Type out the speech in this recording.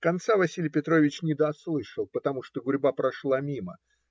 Конца Василий Петрович не дослышал, потому что гурьба прошла мимо.